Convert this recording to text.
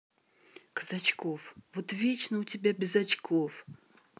казачков вот вечно у тебя без очков